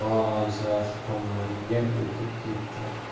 qo'zg'olonchilar tomoniga o'tib ketdi